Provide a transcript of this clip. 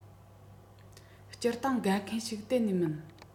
སྤྱིར བཏང དགའ མཁན ཞིག གཏན ནས མིན